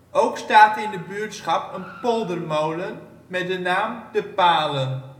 Ook staat in de buurtschap een poldermolen met de naam De Palen